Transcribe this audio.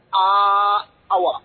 Aaa Awa